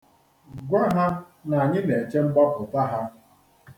Gwa ha na anyị na-eche mgbapụta ha.